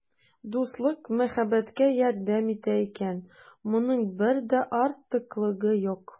Дуслык мәхәббәткә ярдәм итә икән, моның бер дә артыклыгы юк.